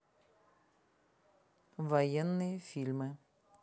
военные фильмы